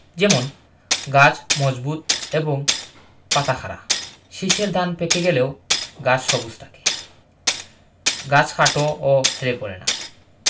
যেমন গাছ মজবুত এবং পাতা খাড়া শীষের ধান পেকে গেলেও গাছ সবুজ থাকে গাছ খাটো ও হেলে পড়ে না